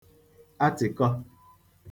atị̀kọ